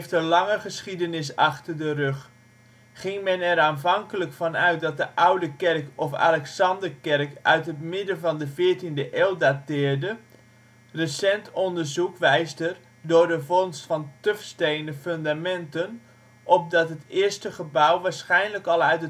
lange geschiedenis achter de rug. Ging men er aanvankelijk van uit dat de Oude kerk of Alexanderkerk uit het midden van de veertiende eeuw dateerde, recent onderzoek wijst er (door de vondst van tufstenen fundamenten) op dat het eerste gebouw waarschijnlijk al uit